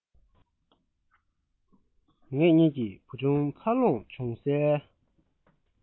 ངེད གཉིས ཀྱིས བུ ཆུང འཚར ལོངས འབྱུང སའི